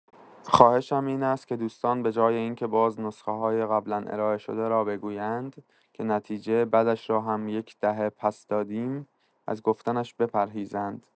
خواهشم این است که دوستان به‌جای اینکه باز نسخه‌های قبلا ارائه‌شده را بگویند که نتیجه بدش را هم یک دهه پس‌دادیم از گفتنش بپرهیزند.